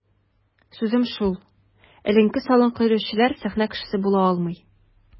Сүзем шул: эленке-салынкы йөрүчеләр сәхнә кешесе була алмый.